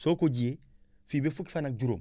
soo ko jiyee fii ba fukki fan ak juróom